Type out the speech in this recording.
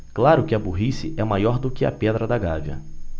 claro que a burrice é maior do que a pedra da gávea